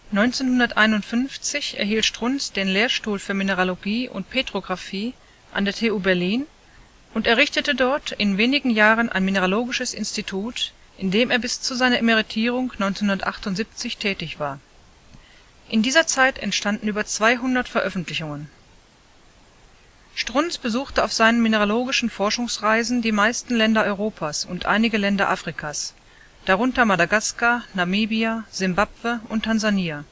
1951 erhielt Strunz den Lehrstuhl für Mineralogie und Petrographie an der TU Berlin und errichtete dort in wenigen Jahren ein Mineralogisches Institut, in dem er bis zu seiner Emeritierung 1978 tätig war. In dieser Zeit entstanden über 200 Veröffentlichungen. Strunz besuchte auf seinen mineralogischen Forschungsreisen die meisten Länder Europas und einige Länder Afrikas, darunter Madagaskar, Namibia, Simbabwe und Tansania